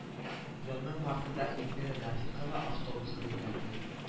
Елның мартында илмира нәфыйкова автобусны йөгәнли